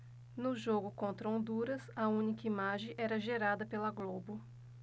no jogo contra honduras a única imagem era gerada pela globo